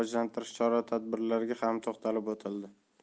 rivojlantirish chora tadbirlariga ham to'xtalib o'tildi